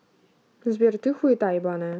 сбер ты хуета ебаная